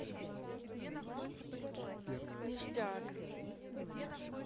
ништяк